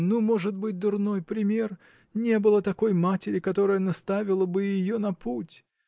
ну, может быть, дурной пример: не было такой матери, которая наставила бы ее на путь.